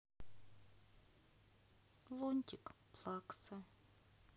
лунтик плакса